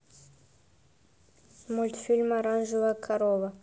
мультфильм оранжевая корова